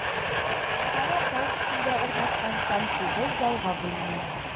Мәгарә тау эчендә урнашкан һәм тугыз залга бүленгән.